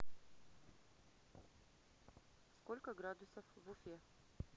сколько градусов в уфе